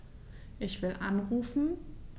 Ich will anrufen.